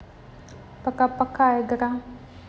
пока пока игра